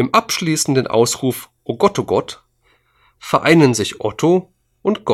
abschließenden Ausruf „ ogottogott “vereinen sich Otto und